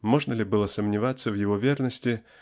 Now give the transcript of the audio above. Можно ли было сомневаться в его верности